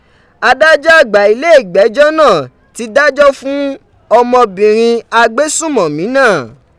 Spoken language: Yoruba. Adájọ àgbà ilé ìgbẹ́jọ́ náà ti dájọ́ fún ọmọdébìnrin agbésúnmọ̀mí náà